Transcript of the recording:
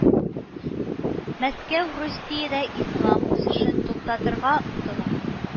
Мәскәү Русиядә ислам үсешен туктатырга омтыла